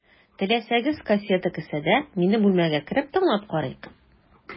Теләсәгез, кассета кесәдә, минем бүлмәгә кереп, тыңлап карыйк.